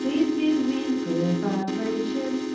She's giving me the good vibrations.